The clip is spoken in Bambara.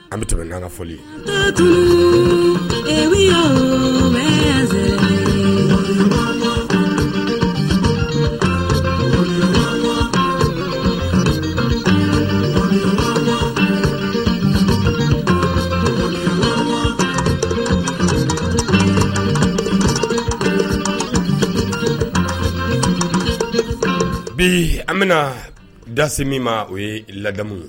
An bɛ tɛmɛkanga foli yo mɛ bi an bɛna da min ma o ye lamu